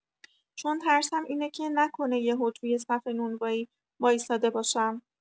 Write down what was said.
چون ترسم اینه که نکنه یهو توی صف نونوایی وایساده باشم